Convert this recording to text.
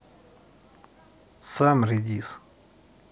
сам редис